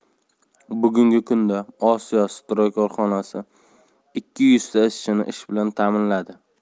bugungi kunda osiyo stroy korxonasi ikki yuzta ishchini ish bilan ta'minladi